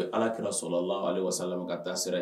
Ala kira sɔlalaahu aleyihi wasalam ka taa sira